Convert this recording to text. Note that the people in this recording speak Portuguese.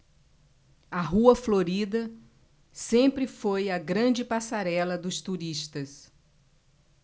a rua florida sempre foi a grande passarela dos turistas